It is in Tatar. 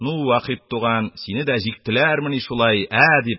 Ну, Вахит туган, сине дә җиктеләрмени шулай, ә?" -дип,